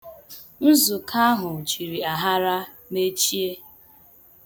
That meeting ended in choas.